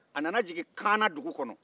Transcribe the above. a nana jigin kaana dugu kɔnɔ